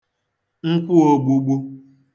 nkwụ ōgbūgbū